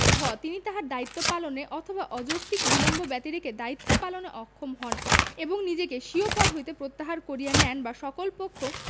ঘ তিনি তাহার দায়িত্ব পালনে অথবা অযৌক্তিক বিলম্ব ব্যতিরেকে দায়িত্ব পালনে অক্ষম হন এবং নিজেকে স্বীয় পদ হইতে প্রত্যাহার করিয়া নেন বা সকল পক্ষ